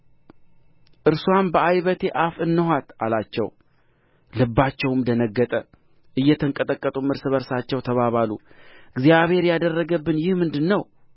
እርስዋም በዓይበቴ አፍ እነኋት አላቸው ልባቸውም ደነገጠ እየተንቀጠቀጡም እርስ በርሳቸው ተባባሉ እግዚአብሔር ያደረገብን ይህ ምንድር ነው